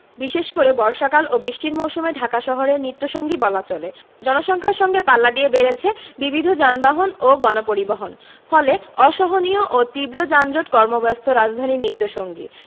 বিশেষ করে বর্ষাকাল ও বৃষ্টির মৌসুমে ঢাকা শহরের নিত্যসঙ্গী বলা চলে জনসংখ্যার সঙ্গে পাল্লা দিয়ে বেড়েছে বিবিধ যানবাহন ও গণপরিবহন ফলে অসহনীয় ও তীব্র যানজট কর্মব্যস্ত রাজধানীর নিত্যসঙ্গী